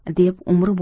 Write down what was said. deb umri